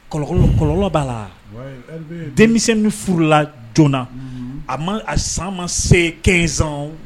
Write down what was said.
Kɔlɔlɔ ba la ? Denmisɛn min furula joona a ma, a san ma se 15 ma.